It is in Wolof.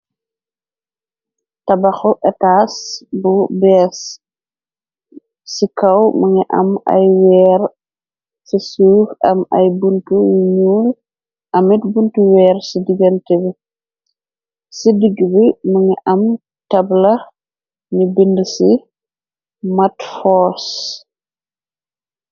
Tabaxu etaas bu bees, ci kaw mangi am ay weer ci suuf am ay buntu yu ñuul. Amit buntu weer ci digante bi, ci dig bi ma ngi am tabula ñu bind ci matfors.